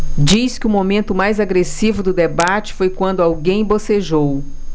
diz que o momento mais agressivo do debate foi quando alguém bocejou